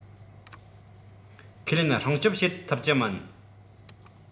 ཁས ལེན སྲུང སྐྱོབ བྱེད ཐུབ ཀྱི མིན